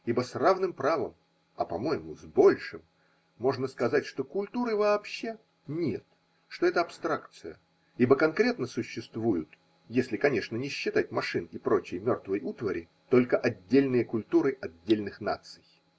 Ибо с равным правом (а по-моему с большим) можно сказать, что культуры вообще нет, что это абстракция, ибо конкретно существуют (если, конечно, не считать машин и прочей мертвой утвари) только отдельные культуры отдельных наций.